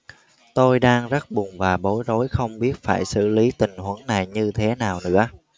tôi đang rất buồn và bối rối không biết phải xử lý tình huống này như thế nào nữa